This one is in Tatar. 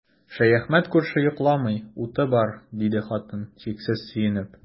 Шәяхмәт күрше йокламый, уты бар, диде хатын, чиксез сөенеп.